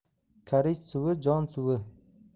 kariz suvi jon suvi